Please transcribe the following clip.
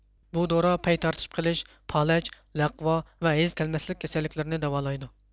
بۇ دورا پەي تارتىشىپ قېلىش پالەچ لەقۋا ۋە ھەيز كەلمەسلىك كېسەللىكلىرىنى داۋالايدۇ